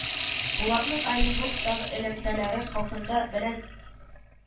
Булатның Оренбургтагы элемтәләре хакында белән